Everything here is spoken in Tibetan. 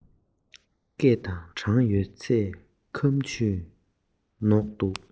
ཡིད སྨོན བྱ དགོས པ ཞིག ལ